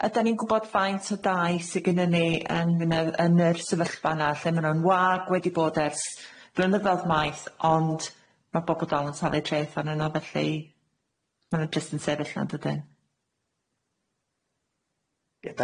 Ydan ni'n gwbod faint o dai sy gynna ni yn yn y yn yr sefyllfa yna lle ma' nw'n wag wedi bod ers flynyddodd maith ond ma' bobol dal yn talu traeth arnyn nw felly ma' nw jyst yn sefyll 'na'n dydyn?